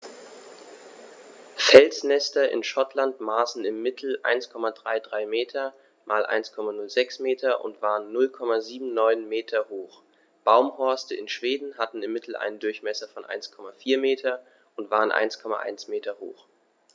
Felsnester in Schottland maßen im Mittel 1,33 m x 1,06 m und waren 0,79 m hoch, Baumhorste in Schweden hatten im Mittel einen Durchmesser von 1,4 m und waren 1,1 m hoch.